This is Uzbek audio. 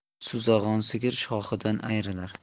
suzag'on sigir shoxidan ayrilar